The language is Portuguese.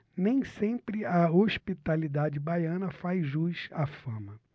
nem sempre a hospitalidade baiana faz jus à fama